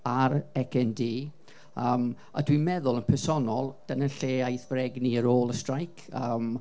a'r CND yym a dwi'n meddwl yn personol, dyna lle aeth yr egni ar ôl y streic.